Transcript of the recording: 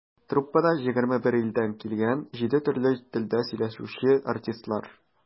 Труппада - 21 илдән килгән, җиде төрле телдә сөйләшүче артистлар.